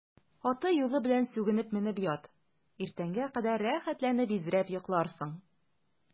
Аты-юлы белән сүгенеп менеп ят, иртәнгә кадәр рәхәтләнеп изрәп йокларсың.